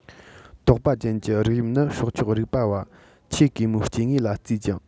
དོགས པ ཅན གྱི རིགས དབྱིབས ནི སྲོག ཆགས རིག པ བ ཆེ གེ མོས སྐྱེ དངོས ལ བརྩིས ཀྱང